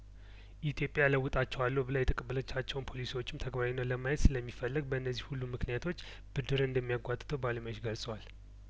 ኢትዮጵያ እለውጣቸዋለሁ ብላ የተቀበለቻቸውን ፖሊሲዎችም ተግባራዊነት ለማየት ስለሚፈልግ በነዚህ ሁሉ ምክንያቶች ብድርን እንደሚያጓትተው ባለሙያዎቹ ገልጸዋል